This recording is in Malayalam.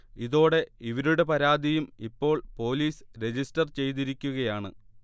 ഇതോടെ ഇവരുടെ പരാതിയും ഇപ്പോൾ പോലീസ് രജിസ്റ്റർ ചെയ്തിരിക്കുകയാണ്